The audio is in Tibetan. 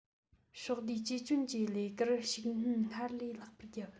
ཕྱོགས བསྡུས བཅོས སྐྱོང གི ལས ཀར ཤུགས སྣོན སྔར ལས ལྷག པར བརྒྱབ